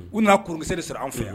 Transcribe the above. U n'a kurukisɛ de sɔrɔ an fɛ yan